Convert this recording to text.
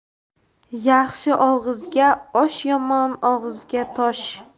yaxshi og'izga osh yomon og'izga tosh